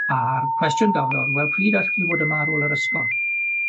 A'r cwestiwn gafodd o wel pryd allwch chi fod yma ar ôl yr ysgol?